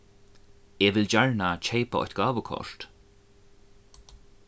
eg vil gjarna keypa eitt gávukort